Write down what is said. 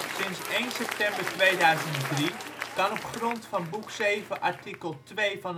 Sinds 1 september 2003 kan op grond van art. 7:2 BW de